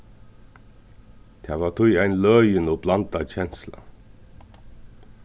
tað var tí ein løgin og blandað kensla